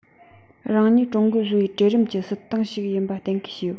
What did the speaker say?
རང ཉིད ཀྲུང གོའི བཟོ པའི གྲལ རིམ གྱི སྲིད ཏང ཞིག ཡིན པ གཏན འཁེལ བྱས ཡོད